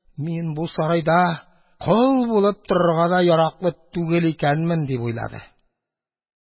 «мин бу сарайда кол булып торырга да яраклы түгел икәнмен!» – дип уйлады.